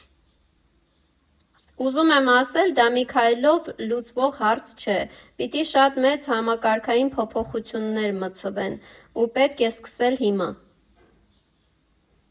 Ուզում եմ ասել, դա մի քայլով լուծվող հարց չէ, պիտի շատ մեծ համակարգային փոփոխություններ մտցվեն, ու պետք է սկսել հիմա։